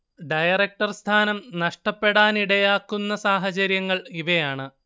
director സ്ഥാനം നഷ്ടപ്പെടാനിടയാക്കുന്ന സാഹചര്യങ്ങൾ ഇവയാണ്